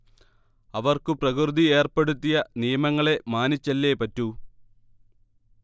അവർക്കു പ്രകൃതി ഏർപ്പെടുത്തിയ നിയമങ്ങളെ മാനിച്ചല്ലേ പറ്റൂ